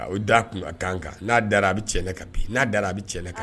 O da kun a kan kan n'a dara a bɛ cɛn ka bi n'a da a bɛ cɛn ne kan